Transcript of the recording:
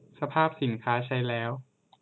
สภาพสินค้าสินค้าใช้แล้ว